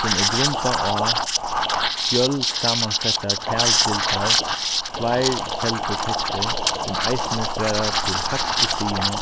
sum er grundað á fjølsamansettar talgildar fleirkeldutekstir sum eisini svara til hægstu stigini